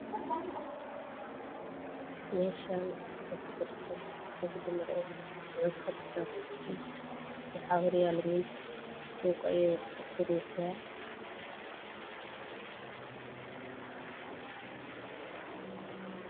Meeshaan waxaa fadhiso qof dumar ah waxay kufadhisaa kursi waxaa horyaalo miis buug ayay wax ku qoreysaa.